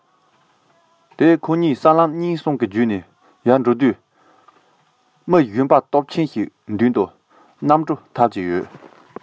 ཁོ གཉིས སྲང ལམ གཉིས གསུམ བརྒྱུད ནས འགྲོ སྐབས མི གཞོན པ སྟོབས ཆེན ཞིག མདུན དུ སྣམ སྤུ འཐགས ཀྱི ཡོད